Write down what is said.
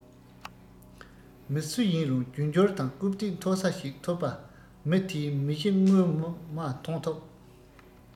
མི སུ ཡིན རུང རྒྱུ འབྱོར དང རྐུབ སྟེགས མཐོ ས ཞིག ཐོབ པ མི དེའི མི གཞི དངོས མ མཐོང ཐུབ